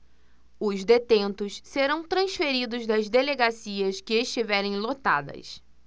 os detentos serão transferidos das delegacias que estiverem lotadas